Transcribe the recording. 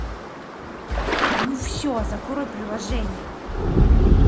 ну все закрой приложение